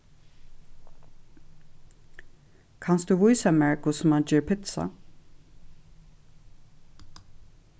kanst tú vísa mær hvussu mann ger pitsa